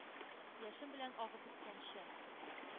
Яшем белән агып беткәнче?